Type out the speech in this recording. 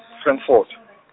Frankfort.